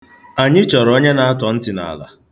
Anyị chọrọ onye na-atọ ntị n'ala.